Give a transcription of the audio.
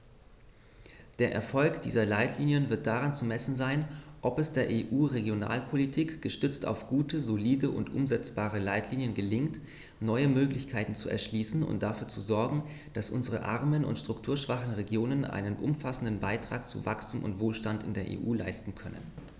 Der Erfolg dieser Leitlinien wird daran zu messen sein, ob es der EU-Regionalpolitik, gestützt auf gute, solide und umsetzbare Leitlinien, gelingt, neue Möglichkeiten zu erschließen und dafür zu sorgen, dass unsere armen und strukturschwachen Regionen einen umfassenden Beitrag zu Wachstum und Wohlstand in der EU leisten können.